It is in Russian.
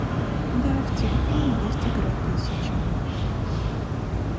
да в телефоне есть игра тысяча